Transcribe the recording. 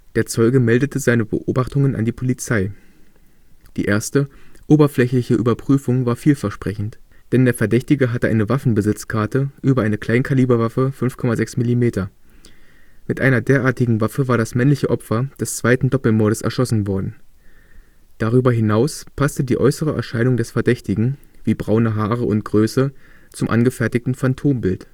Der Zeuge meldete seine Beobachtungen an die Polizei. Die erste, oberflächliche Überprüfung war vielversprechend. Denn der Verdächtige hatte eine Waffenbesitzkarte über eine Kleinkaliberwaffe 5,6 Millimeter. Mit einer derartigen Waffe war das männliche Opfer des zweiten Doppelmordes erschossen worden. Darüber hinaus passte die äußere Erscheinung des Verdächtigen, wie braune Haare und Größe, zum angefertigten Phantombild